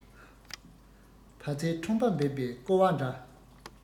བ ཚྭའི ཁྲོན པ འབད པས རྐོ བ འདྲ